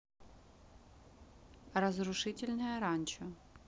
разрушительное ранчо